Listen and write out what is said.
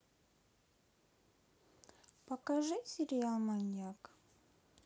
покажи сериал маньяк